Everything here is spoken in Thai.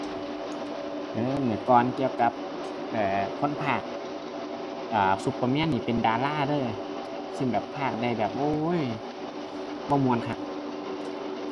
เอ้อ มื้อก่อนเกี่ยวกับ เอ่อ คนพากย์ อ่า Superman นี่เป็นดาราเด้อ ซึ่งแบบ พากย์ได้แบบ โอ๊ย บ่ม่วนคัก